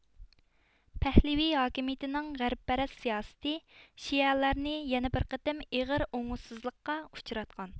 پەھلىۋى ھاكىمىيىتىنىڭ غەربپەرەس سىياسىتى شىئەلەرنى يەنە بىر قېتىم ئېغىر ئوڭۇشسىزلىققا ئۇچراتقان